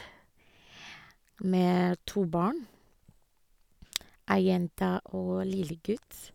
Med to barn, ei jente og lillegutt.